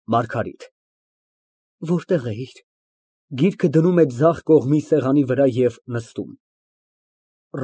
ՄԱՐԳԱՐԻՏ ֊ Որտե՞ղ էիր։ (Գիրքը դնում է ձախ կողմի սեղանի վրա և նստում)։